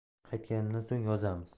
qaytganimdan so'ng yozamiz